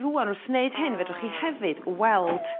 rŵan wrth wneud hyn fedrwch chi hefyd weld